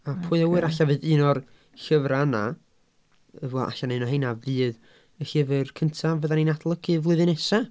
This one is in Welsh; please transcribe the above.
A pwy a ŵyr ella fydd un o'r llyfrau yna y fel allan o un o rheina fydd y llyfr cynta fydden ni'n adolygu flwyddyn nesa.